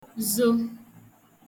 zo